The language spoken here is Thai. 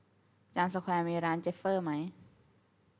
จามสแควร์มีร้านเจฟเฟอร์ไหม